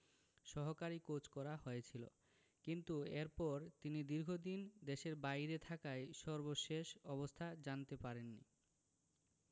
সহকারী কোচ করা হয়েছিল কিন্তু এরপর তিনি দীর্ঘদিন দেশের বাইরে থাকায় সর্বশেষ অবস্থা জানতে পারেননি